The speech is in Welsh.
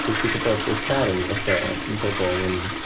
Dwi jyst yn gwbod y term fatha, mae pobl yn...